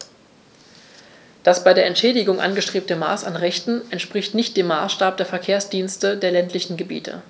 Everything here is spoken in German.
Das bei der Entschädigung angestrebte Maß an Rechten entspricht nicht dem Maßstab der Verkehrsdienste der ländlichen Gebiete.